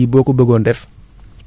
mais bu dee compostage